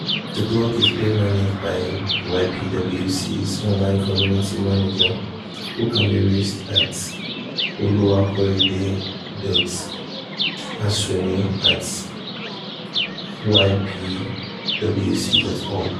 The Blog is being managed by YPWC’s Online Community Manager who can be reached at Oluwakorede.Asuni@ypwc.org